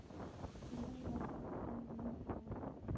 Кояш батты күптән, ә мин һаман,